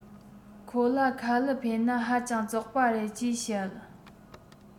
ཁོ ལ ཁ ལུད འཕེན ན ཧ ཅང རྩོག པ རེད ཅེས བཤད